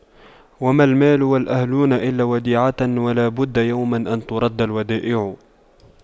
وما المال والأهلون إلا وديعة ولا بد يوما أن تُرَدَّ الودائع